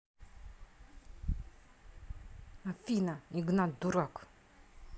афина игнат дурак